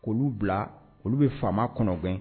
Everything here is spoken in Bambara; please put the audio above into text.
Olu bila olu bɛ faama kɔnɔbɛn